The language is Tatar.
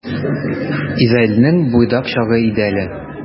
Изаилнең буйдак чагы иде әле.